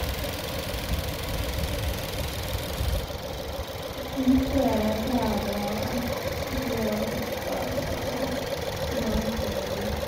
Kvite klær og blåe skjorter og gnagsår og drit.